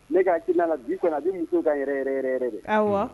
Ne ka hakilina la bi kɔni a bi musow ka yɛrɛ yɛrɛ yɛrɛ de awɔ